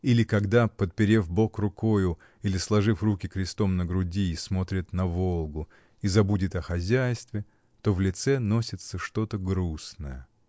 Или когда, подперев бок рукою или сложив руки крестом на груди, смотрит на Волгу и забудет о хозяйстве, то в лице носится что-то грустное.